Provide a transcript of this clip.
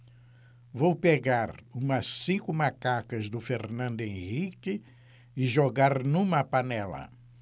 vou pegar umas cinco macacas do fernando henrique e jogar numa panela